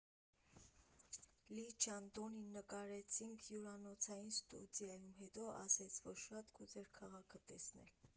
Լի Չան֊դոնին նկարեցինք հյուրանոցային ստուդիայում, հետո ասեց, որ շատ կուզեր քաղաքը տեսնել։